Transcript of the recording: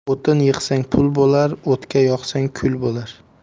o'tin yig'sang pul bo'lar o'tga yoqsang kul bo'lar